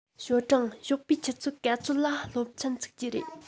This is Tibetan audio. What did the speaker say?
ཞའོ ཀྲུང ཞོགས པའི ཆུ ཚོད ག ཚོད ལ སློབ ཚན ཚུགས ཀྱི རེད